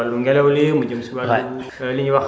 alerter lu jëm si wàllu ngelaw li lu jëm si